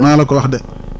maa la ko wax de